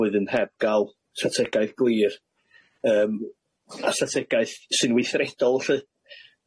flwyddyn heb ga'l strategaeth glir yym a strategaeth sy'n weithredol 'lly.